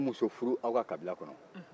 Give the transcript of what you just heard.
ne yɛrɛ ye muso furu aw ka kabila kɔnɔ